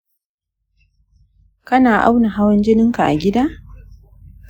kana auna hawan jininka a gida?